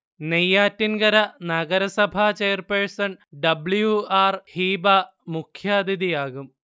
നെയ്യാറ്റിൻകര നഗരസഭ chairperson W R Heeba മുഖ്യാതിഥിയാകും